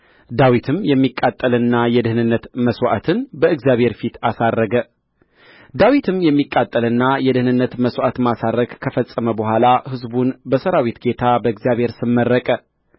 ዳዊትም የሚቃጠልና የደኅንነት መሥዋዕትን በእግዚአብሔር ፊት አሳረገ ዳዊትም የሚቃጠልና የደኅንነት መሥዋዕት ማሳረግ ከፈጸመ በኋላ ሕዝቡን በሠራዊት ጌታ በእግዚአብሔር ስም መረቀ